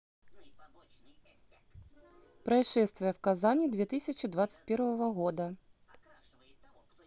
происшествие в казани две тысячи двадцать первого года